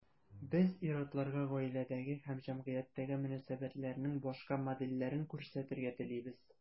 Без ир-атларга гаиләдәге һәм җәмгыятьтәге мөнәсәбәтләрнең башка модельләрен күрсәтергә телибез.